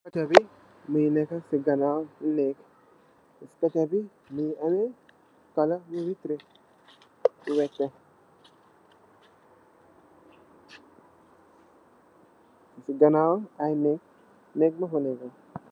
Stacho bi Mungi neka sey ganaw neek stacho bi Mungi ameh kolar militeri .sey ganaw i neek mofa neka